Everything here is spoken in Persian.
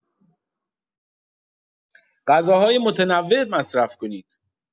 غذاهای متنوع مصرف کنید.